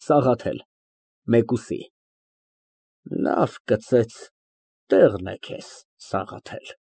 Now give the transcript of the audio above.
ՍԱՂԱԹԵԼ ֊ (Մեկուսի) Լավ կծեց, տեղն է քեզ, Սաղաթել։